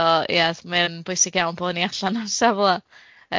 So ie mae o'n bwysig iawn bo ni allan ar safla.